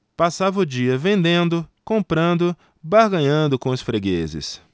passava o dia vendendo comprando barganhando com os fregueses